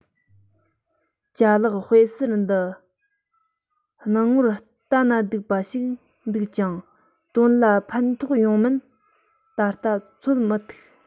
ཅ ལག དཔེ གསར འདི སྣང ངོར ལྟ ན སྡུག པ ཞིག འདུག ཀྱང དོན ལ ཕན ཐོགས ཡོང མིན ད ལྟ ཚོད མི ཐིག